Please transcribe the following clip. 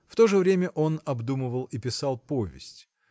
В то же время он обдумывал и писал повесть.